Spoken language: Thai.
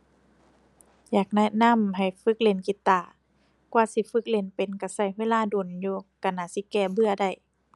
อยากแนะนำให้ฝึกเล่นกีตาร์ กว่าสิฝึกเล่นเป็นก็ก็เวลาโดนอยู่ ก็น่าสิแก้เบื่อได้